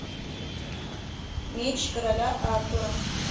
меч короля артура